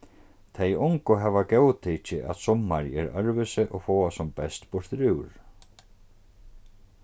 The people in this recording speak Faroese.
tey ungu hava góðtikið at summarið er øðrvísi og fáa sum best burturúr